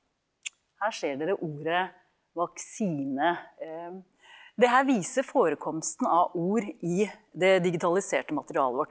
her ser dere ordet vaksine det her viser forekomsten av ord i det digitaliserte materialet vårt.